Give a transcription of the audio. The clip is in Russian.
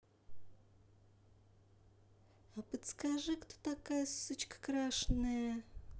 а подскажи кто такая сучка крашенная